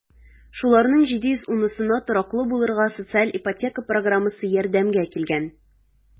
Шуларның 710-сына тораклы булырга социаль ипотека программасы ярдәмгә килгән.